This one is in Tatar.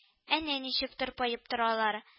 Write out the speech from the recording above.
Әнә ничек тырпаеп торалар